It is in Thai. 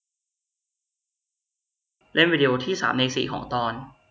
เล่นวีดิโอที่สามในสี่ของตอน